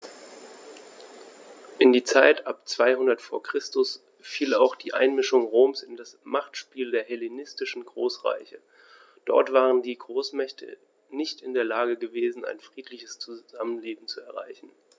In die Zeit ab 200 v. Chr. fiel auch die Einmischung Roms in das Machtspiel der hellenistischen Großreiche: Dort waren die Großmächte nicht in der Lage gewesen, ein friedliches Zusammenleben zu erreichen.